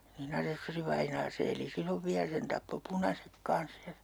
niin asessorivainaa se eli silloin vielä sen tappoi punaiset kanssa ja